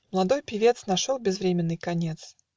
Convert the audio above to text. Младой певец Нашел безвременный конец!